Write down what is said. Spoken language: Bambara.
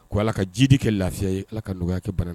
Ko ala ka jidi kɛ lafiya ye ala ka nɔgɔyaya kɛ bana